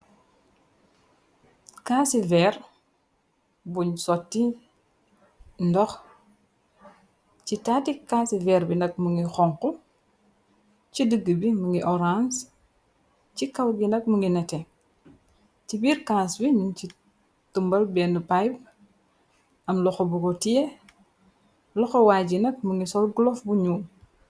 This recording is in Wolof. Kaasi veer buñ sotti ndox, ci taati kaasi veer bi nag mu ngi xonxu, ci dëgg bi mungi orange, ci kaw gi nag mu ngi nete, ci biir kaas wi nun ci tumbal benne payib, am loxo bu ko tiye, loxo waay ji nag mu ngi sol glof bu ñuul.